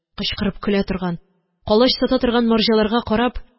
Кычкырып көлә торган, калач сата торган марҗаларга карап